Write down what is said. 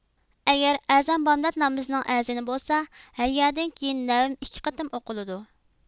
ئەگەر ئەزان بامدات نامىزىنىڭ ئەزىنى بولسا ھەييە دىن كېيىن نەۋم ئىككى قېتىم ئوقۇلىدۇ